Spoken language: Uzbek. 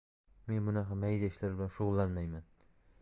men bunaqa mayda ishlar bilan shug'ullanmayman